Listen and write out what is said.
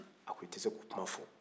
a ko '' i tɛ se k'o kuma fɔ